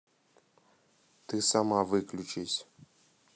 ты сама выключись